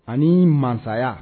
Ani mansaya